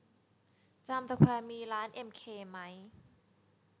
จามสแควร์มีร้านเอ็มเคไหม